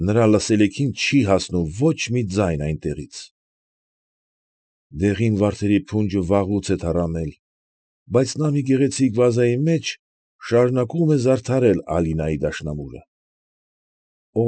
Նրա լսելիքին չի հասնում ոչ մի ձայն այնտեղից։ դեղին վարդերի փունջը վաղուց է թառամել, բայց նա մի գեղեցիկ վազայի մեջ շարունակում է զարդարել Ալինայի դաշնամուրը։